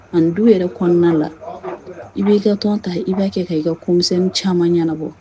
A du yɛrɛ kɔnɔna la i b'i ka tɔn ta i b'a kɛ ka i ka komi caman ɲɛnaanabɔ